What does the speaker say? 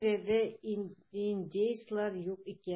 Бу тирәдә индеецлар юк икән.